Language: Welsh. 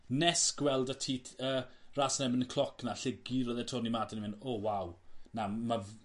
nes gweld y Ti T- yy ras yn erbyn y cloc 'ne lle gurodd e Tony Martin a myn' o waw. Na ma' f-